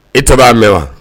I tabaa' a mɛn wa